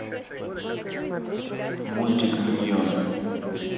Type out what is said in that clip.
мультик миньоны